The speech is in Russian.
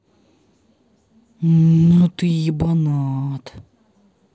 ну ты ебанат